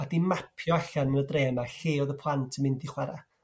A 'di mapio allan yn y dre 'ma lle oedd y plant yn mynd i chwara'.